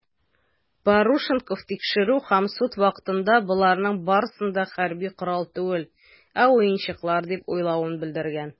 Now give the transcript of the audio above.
Парушенков тикшерү һәм суд вакытында, боларның барысын да хәрби корал түгел, ә уенчыклар дип уйлавын белдергән.